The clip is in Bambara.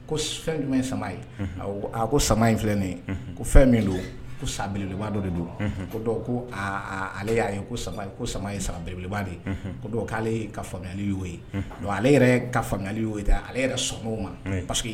Fɛn ko sama filɛ ye ko fɛn sabele dɔ de do ko aaa ale y'a ye ko ko sama ye sanbele de ye k'ale ka faamuyali y'o ye ale yɛrɛ ka faamuyali y'o ale yɛrɛ so o ma paseke